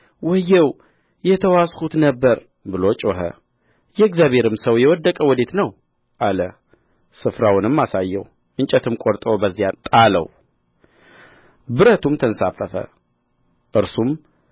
ወየው የተዋስሁት ነበረ ብሎ ጮኽ የእግዚአብሔርም ሰው የወደቀው ወዴት ነው አለ ስፍራውንም አሳየው እንጨትም ቆርጦ በዚያ ጣለው ብረቱም ተንሳፈፈ እርሱም